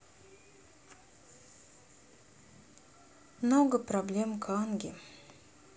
много проблем канги